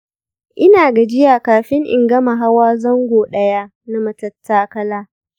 ina gajiya kafin in gama hawa zango ɗaya na matattakala